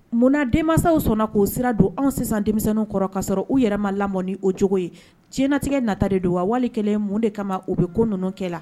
Munna denmanw sɔnna k'o sira don anw sisan denmisɛnnin kɔrɔ k'a sɔrɔ u yɛrɛma lamɔ ni o cogo ye ? Diɲɛnatigɛ nata de don wa, wali kelen mun de kama u bɛ ko ninnu kɛ la ?